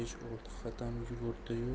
besh olti qadam yugurdi yu